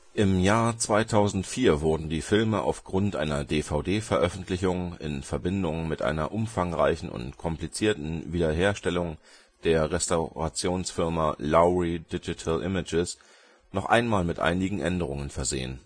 Im Jahr 2004 wurden die Filme aufgrund einer DVD Veröffentlichung in Verbindung mit einer umfangreichen und komplizierten Wiederherstellung der Restaurationsfirma Lowry Digital Images, noch einmal mit einigen Änderungen versehen